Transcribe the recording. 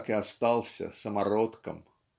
так и остался самородком.